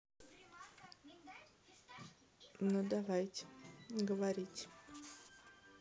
ну давайте говорите